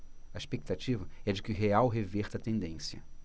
a expectativa é de que o real reverta a tendência